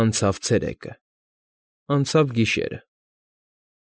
Անցավ ցերեկը, անցավ գիշերը։